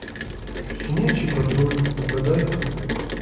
щенячий патруль угадайка